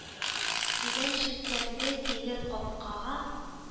Дигән челтәрле тимер капкага